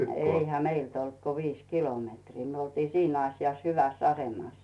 eihän meiltä ollut kuin viisi kilometriä me oltiin siinä asiassa hyvässä asemassa